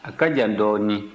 a ka jan dɔɔnin